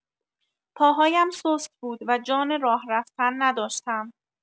پاهایم سست بود و جان راه‌رفتن نداشتم.